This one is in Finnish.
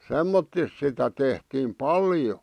semmottoon sitä tehtiin paljon